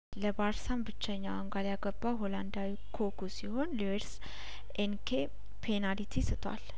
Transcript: ለባርሳም ብቸኛዋን ጐል ያገባው ሆላንዳ ዊው ኮኩ ሲሆን ልዊ ርስ ኤን ኬ ፔናልቲ ስቷል